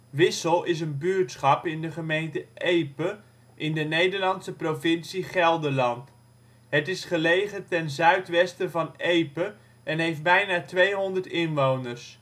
Wissel is een buurtschap in de gemeente Epe, in de Nederlandse provincie Gelderland. Het is gelegen ten zuidwesten van Epe en heeft bijna 200 inwoners